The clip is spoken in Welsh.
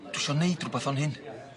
Dwi isio neud rwbeth o'n hyn.